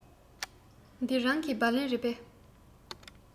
འདི རང གི སྦ ལན རེད པས